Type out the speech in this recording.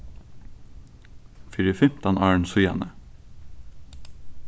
fyri fimtan árum síðani